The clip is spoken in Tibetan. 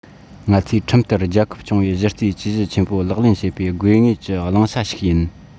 ང ཚོས ཁྲིམས ལྟར རྒྱལ ཁབ སྐྱོང བའི གཞི རྩའི ཇུས གཞི ཆེན པོ ལག ལེན བྱེད པའི དགོས ངེས ཀྱི བླང བྱ ཞིག ཡིན